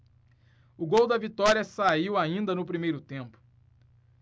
o gol da vitória saiu ainda no primeiro tempo